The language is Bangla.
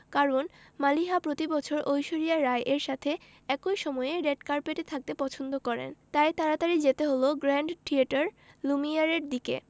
কারণ মালিহা প্রতিবছর ঐশ্বরিয়া রাই এর সাথে একই সময়ে রেড কার্পেটে থাকতে পছন্দ করেন তাই তাড়াতাড়ি যেতে হলো গ্র্যান্ড থিয়েটার লুমিয়ারের দিকে